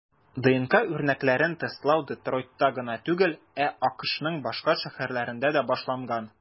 ДНК үрнәкләрен тестлау Детройтта гына түгел, ә АКШның башка шәһәрләрендә дә башланган.